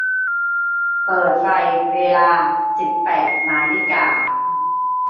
เปิดไฟเวลาสิบแปดนาฬิกา